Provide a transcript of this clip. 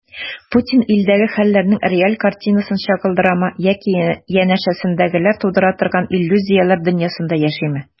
Путин илдәге хәлләрнең реаль картинасын чагылдырамы яки янәшәсендәгеләр тудыра торган иллюзияләр дөньясында яшиме?